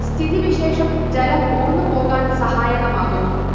സ്ഥിതിവിശേഷം ജലം ഊർന്നു പോകാൻ സഹായകമാകുന്നു